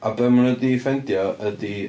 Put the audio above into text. A be maen nhw 'di ffeindio ydy...